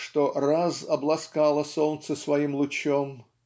Что раз обласкало солнце своим лучом